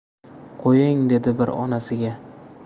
qo'ying dedi bir onasiga